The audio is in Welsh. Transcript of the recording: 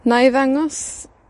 Wnai ddangos